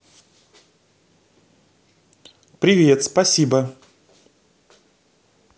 привет спасибо